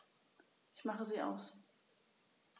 Ich mache sie aus.